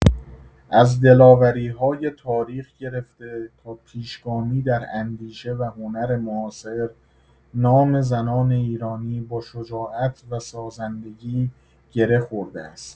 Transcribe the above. از دلاوری‌های تاریخی گرفته تا پیشگامی در اندیشه و هنر معاصر، نام زنان ایرانی با شجاعت و سازندگی گره خورده است.